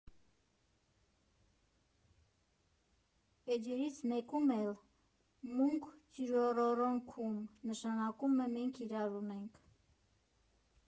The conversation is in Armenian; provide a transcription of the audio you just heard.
Էջերից մեկում էլ՝ «Մունք տյուրոր օնք»֊ում (նշանակում է մենք իրար ունենք.